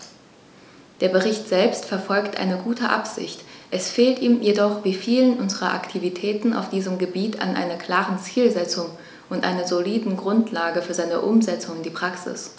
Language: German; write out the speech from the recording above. Der Bericht selbst verfolgt eine gute Absicht, es fehlt ihm jedoch wie vielen unserer Aktivitäten auf diesem Gebiet an einer klaren Zielsetzung und einer soliden Grundlage für seine Umsetzung in die Praxis.